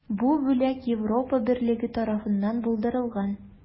Бу бүләк Европа берлеге тарафыннан булдырылган.